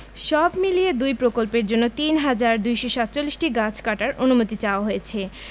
সবমিলিয়ে দুই প্রকল্পের জন্য ৩হাজার ২৪৭টি গাছ কাটার অনুমতি চাওয়া হয়েছে